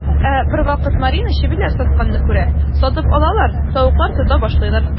Ә бервакыт Марина чебиләр сатканны күрә, сатып алалар, тавыклар тота башлыйлар.